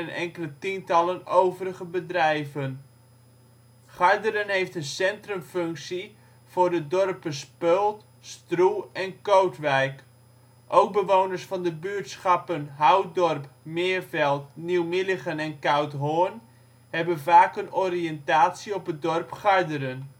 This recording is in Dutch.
enkele tientallen overige bedrijven. Garderen heeft een centrumfunctie voor de dorpen Speuld, Stroe en Kootwijk. Ook bewoners van de buurtschappen Houtdorp, Meerveld, Nieuw-Milligen en Koudhoorn hebben vaak een oriëntatie op het dorp Garderen